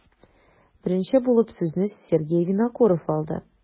Беренче булып сүзне Сергей Винокуров алды.